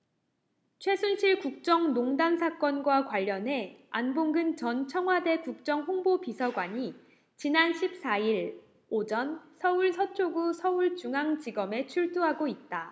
최순실 국정농단 사건과 관련해 안봉근 전 청와대 국정홍보비서관이 지난 십 사 일 오전 서울 서초구 서울중앙지검에 출두하고 있다